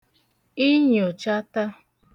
inyòchata